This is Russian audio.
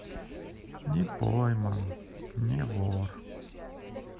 не пойман не вор